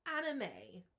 Anna May.